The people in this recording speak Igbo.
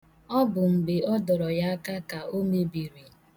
Ọ bụ mgbe ọ dọrọ ya aka ka o mebiri.